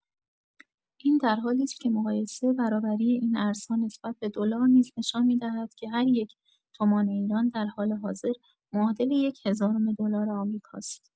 این در حالی است که مقایسه برابری این ارزها نسبت به دلار نیز نشان می‌دهد که هر یک تومان ایران، در حال حاضر، معادل یک‌هزارم دلار آمریکاست.